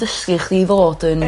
...dysgu chdi fod yn...